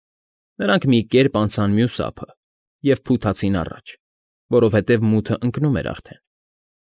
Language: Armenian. Նրանք մի կերպ անցան մյուս ափը և փութացին առաջ, որովհետև մութն ընկնում էր արդեն։